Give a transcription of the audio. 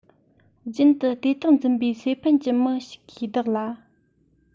རྒྱུན དུ དེ དག འཛིན པའི སེ ཕན གྱི མི ཞིག གིས བདག ལ